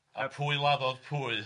A pwy laddodd pwy?